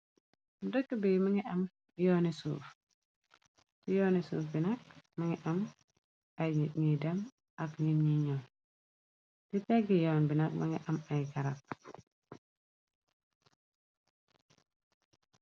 dëkk bi yooni suuf bi nakk mangi am ay ngiy dem ak ngir ñi ñooy ti tegg yoon bi nag ma ngi am ay karab